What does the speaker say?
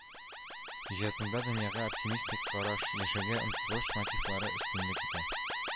Иҗатында дөньяга оптимстик караш, яшәүгә омтылыш мотивлары өстенлек итә